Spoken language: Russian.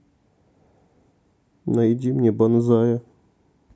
найди мне банзая